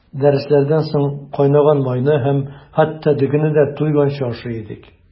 Дәресләрдән соң кайнаган майны һәм хәтта дөгене дә туйганчы ашый идек.